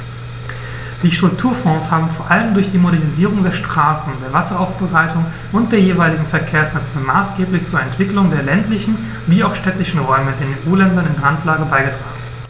Die Strukturfonds haben vor allem durch die Modernisierung der Straßen, der Wasseraufbereitung und der jeweiligen Verkehrsnetze maßgeblich zur Entwicklung der ländlichen wie auch städtischen Räume in den EU-Ländern in Randlage beigetragen.